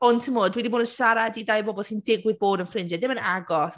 Ond timod, fi ‘di bod yn siarad i dau o bobl sy’n digwydd bod yn ffrindiau, dim yn agos.